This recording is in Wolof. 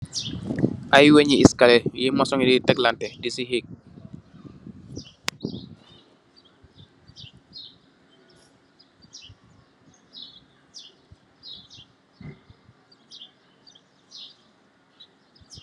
Ay wéñi ekale yi masoñg yi di teklaante di si hëëk.